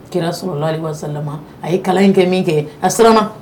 Kira sɔla laahu alayih wa salama a ye kalan in kɛ min kɛ a siranna!